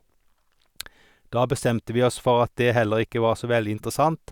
Da bestemte vi oss for at det heller ikke var så veldig interessant.